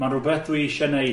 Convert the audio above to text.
Ma'n rwbeth dwi isie neud.